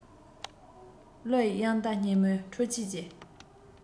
གླུའི དབྱངས རྟ སྙན མོས འཕྲུལ ཆས ཀྱི